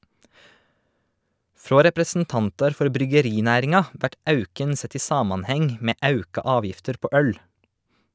Frå representantar for bryggerinæringa vert auken sett i samanheng med auka avgifter på øl.